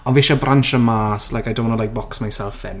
Ond fi eisiau bransio mas. Like, I don't want to like, box myself in.